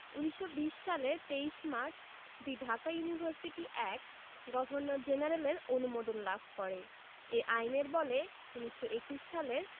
১৯২০ সালের ২৩ March the Dhaka university act governor জেনারেলের অনুমোদন লাভ করে এ আইনের বলে ১৯২১ সালের